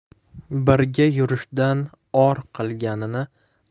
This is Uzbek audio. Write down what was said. birga yurishdan or qilganini